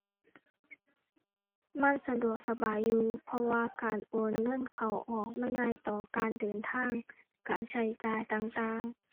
มันสะดวกสบายอยู่ เพราะว่าการโอนเงินเข้าออกมันง่ายต่อการเดินทาง การใช้จ่ายต่างต่าง